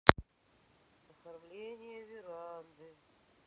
оформление веранды